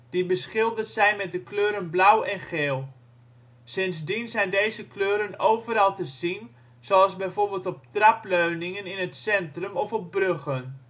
die beschilderd zijn met de kleuren blauw en geel. Sindsdien zijn deze kleuren overal te zien zoals bijvoorbeeld op trapleuningen in het centrum of op bruggen